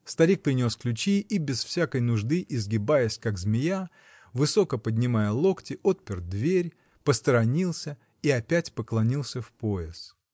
Старик принес ключи и, без всякой нужды изгибаясь, как змея, высоко поднимая локти, отпер дверь, посторонился и опять поклонился в пояс.